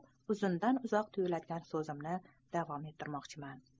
uzundan uzoq tuyuladigan so'zimni davom ettirmoqchiman